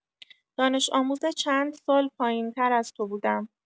دانش‌آموز چند سال پایین‌تر از تو بودم.